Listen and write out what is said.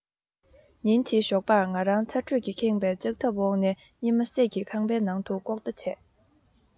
ཉིན དེའི ཞོགས པར ང རང ཚ དྲོད ཀྱིས ཁེངས པའི ལྕགས ཐབ འོག ནས གཉིད མ སད ཀྱིས ཁང པའི ནང དུ ལྐོག ལྟ བྱས